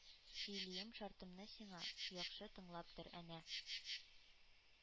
— сөйлием шартымны сиңа, яхшы тыңлап тор: әнә